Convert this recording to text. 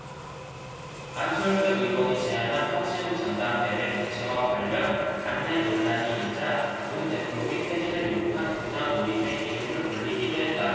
안철수 의원이 제안한 혁신 전당대회 개최와 관련 당내 논란이 일자 문 대표의 퇴진을 요구한 구당모임에 이름을 올리기도 했다